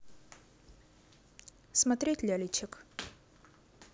смотреть лялечек